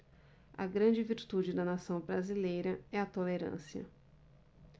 a grande virtude da nação brasileira é a tolerância